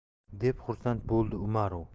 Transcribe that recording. deb xursand bo'ldi umarov